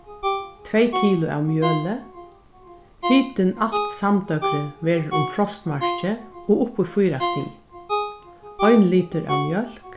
tvey kilo av mjøli hitin alt samdøgrið verður um frostmarkið og upp í fýra stig ein litur av mjólk